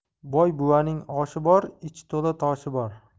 boy buvaning oshi bor ichi to'la toshi bor